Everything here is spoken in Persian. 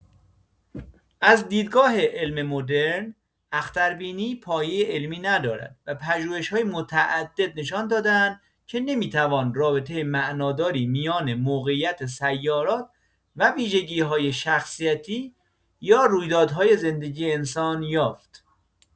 از دیدگاه علم مدرن، اختربینی پایه علمی ندارد و پژوهش‌‌های متعدد نشان داده‌اند که نمی‌توان رابطه معناداری میان موقعیت سیارات و ویژگی‌های شخصیتی یا رویدادهای زندگی انسان یافت.